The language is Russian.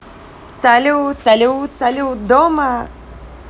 салют салют салют дома